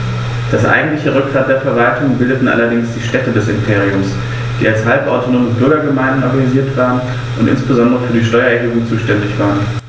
Das eigentliche Rückgrat der Verwaltung bildeten allerdings die Städte des Imperiums, die als halbautonome Bürgergemeinden organisiert waren und insbesondere für die Steuererhebung zuständig waren.